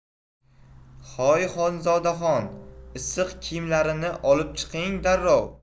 hay xonzodaxon issiq kiyimlarini olib chiqing darrov